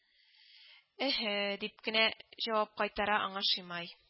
– эһе, – дип кенә җавап кайтара аңа шимай